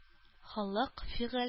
Холык-фигыль